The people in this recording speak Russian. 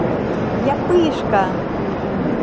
я пышка